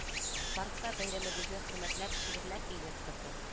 Паркта бәйрәмебезне хөрмәтләп шигарләр эленеп торды